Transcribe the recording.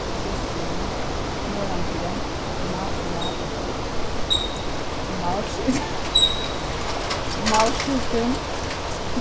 trýssunum norðanfyri tomatsalat málskjúttin